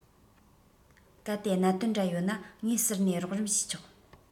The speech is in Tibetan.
གལ ཏེ གནད དོན འདྲ ཡོད ན ངས ཟུར ནས རོགས རམ བྱས ཆོག